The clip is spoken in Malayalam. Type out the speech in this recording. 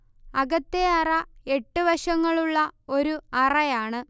അകത്തെ അറ എട്ട് വശങ്ങളുള്ള ഒരു അറയാണ്